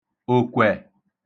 òkwè